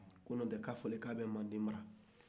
ko n'o tɛ k'a fɔra k'a bɛ mande mara